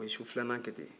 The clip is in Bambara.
u ye su filanan kɛ ten